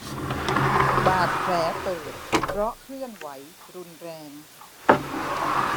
บาดแผลเปิดเพราะเคลื่อนไหวรุนแรง